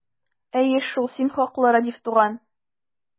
Әйе шул, син хаклы, Рәдиф туган!